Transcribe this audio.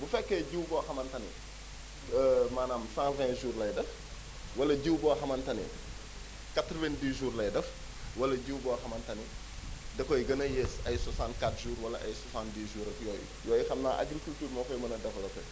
bu fekkee jiw boo xamante ni maanaam 120 jours lay def wla jiw boo xamante ni 90 jours lay def wala jiw boo xamante ni dakoy gën a yées ay 64 jours wala ay 70 jours ak yooyu yooyu xam naa agriculture moo koy mën a développé